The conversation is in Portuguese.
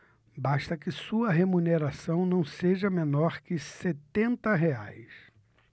basta que sua remuneração não seja menor que setenta reais